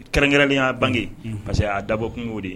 Kɛrɛnkɛrɛnlen y'a bange pa parce que y'a dabɔ kungo o de ye